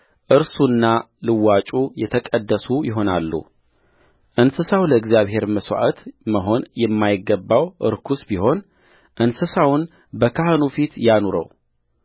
እርሱና ልዋጩ የተቀደሱ ይሆናሉእንስሳው ለእግዚአብሔር መሥዋዕት መሆን የማይገባው ርኩስ ቢሆን እንስሳውን በካህኑ ፊት ያኑረው